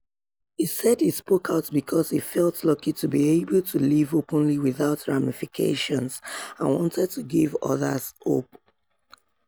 He said he spoke out because he felt lucky to be able to live openly without ramifications and wanted to give others "hope."